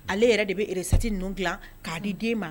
Ale yɛrɛ de bɛ resati ninnu dila k'a di den ma